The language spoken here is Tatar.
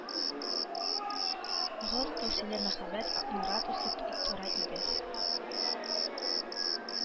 Гылт кәүсәле мәһабәт нарат үсеп утыра иде